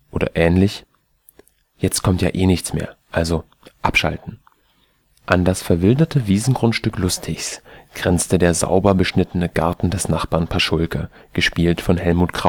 oder ähnlich): „ Jetzt kommt ja eh nichts mehr, also abschalten. “An das verwilderte Wiesengrundstück Lustigs grenzt der sauber beschnittene Garten des Nachbarn Paschulke, gespielt von Helmut